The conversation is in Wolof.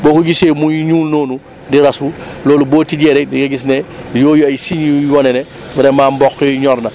boo ko gisee muy ñuul noonu di rasu loolu boo tijjee rek da ngay gis ne yooyu ay signes yuy wane ne vraiment mboq yi ñor na